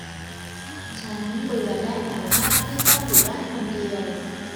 ฉันเบื่อและเหงามากที่ต้องอยู่บ้านคนเดียว